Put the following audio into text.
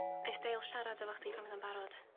Neith Dale siarad efo chdi pan fydd o'n barod.